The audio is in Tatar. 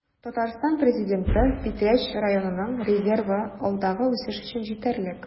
Татарстан Президенты: Питрәч районының резервы алдагы үсеш өчен җитәрлек